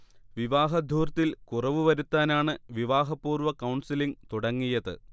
വിവാഹധൂർത്തിൽ കുറവ് വരുത്താനാണ് വിവാഹപൂർവ്വ കൗൺസിലിങ് തുടങ്ങിയത്